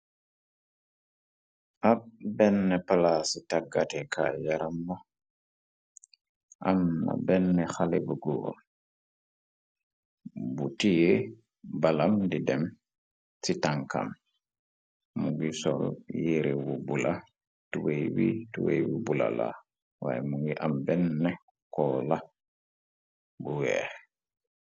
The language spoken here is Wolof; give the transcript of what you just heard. Ab bena palaa ci taggate kaay yaram la am na bena xale bu góor bu teye balam di dem ci tankam muge sol yéere wu bula tubaye bi tubaye bu bula la waaye mu ngi am bene koola bu weex.